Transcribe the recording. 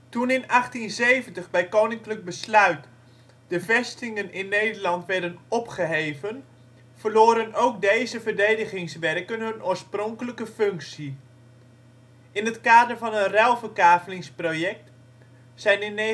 Toen in 1870 bij Koninklijk Besluit de vestingen in Nederland werden opgeheven verloren ook deze verdedigingswerken hun oorspronkelijke functie. In het kader van een ruilverkavelingsproject zijn in 1984/1985